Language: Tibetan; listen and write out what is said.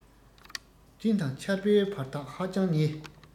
སྤྲིན དང ཆར བའི བར ཐག ཧ ཅང ཉེ